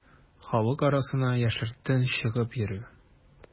Халык арасына яшертен чыгып йөрү.